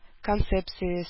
Концепциясе